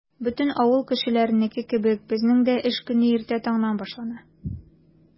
Бөтен авыл кешеләренеке кебек, безнең дә эш көне иртә таңнан башлана.